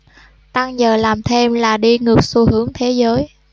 tăng giờ làm thêm là đi ngược xu hướng thế giới